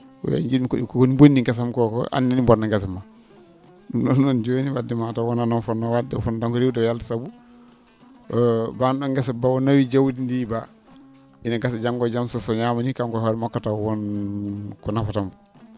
eeyi nji?mi ko ?i bonni gesa am ko ko aan ne ?i bonna gesama ?um ?on noon jooni wadde mataw wonaa noon o fotnoo wa?de o fotnoo tan ko riiwde o yalta sabu mbaan ?oon ngesa mba o nawi jawdi ndii mbaa ene gasa janngo e jam so soñaama nii kanko e hoore makko taw won ko nafata mbo